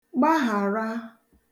gbahàra